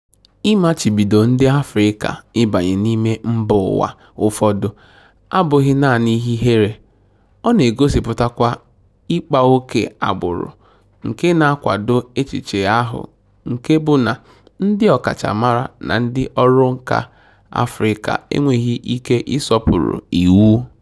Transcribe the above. Ịmachibido ndị Afrịka ịbanye n'ime mbaụwa ụfọdụ abụghị naanị ihe ihere — ọ na-egosipụtakwa ịkpa ókè agbụrụ nke na-akwado echiche ahụ nke bụ na ndị ọkachamara na ndị ọrụnkà Afrịka enweghị ike ịsọpụrụ iwu.